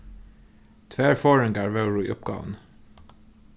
tvær forðingar vóru í uppgávuni